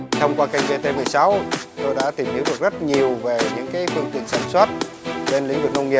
thông qua kênh vê tê mười sáu tôi đã tìm hiểu được rất nhiều về những cái phương tiện sản xuất trên lĩnh vực nông nghiệp